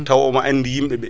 tawa omo andi yimɓeɓe